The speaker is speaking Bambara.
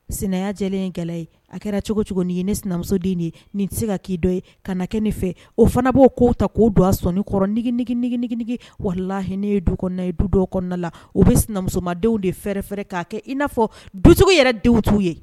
Sɛnɛ lajɛlen in ga ye a kɛra cogo cogo ne sinamusoden de ye nin tɛ se ka'i dɔ ye ka na kɛ ne fɛ o fana b'o k'o ta k'o don a sɔniɔrɔniniginge wala la h hinɛini ye du kɔnɔna ye du dɔ kɔnɔna la u bɛ sinamusomadenw de fɛrɛɛrɛɛrɛ k'a kɛ i n'a fɔ dusu yɛrɛ denw tuu ye